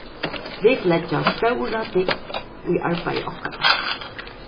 vit leggja stóra dygd í arbeiði okkara